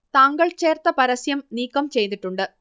താങ്കൾ ചേർത്ത പരസ്യം നീക്കം ചെയ്തിട്ടുണ്ട്